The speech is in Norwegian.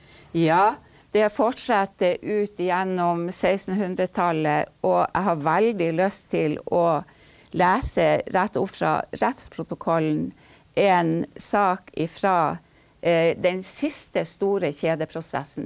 ja det fortsetter ut gjennom sekstenhundretallet, og jeg har veldig lyst til å lese rett opp fra rettsprotokollen en sak ifra den siste store kjedeprosessen.